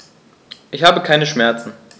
Ich habe keine Schmerzen.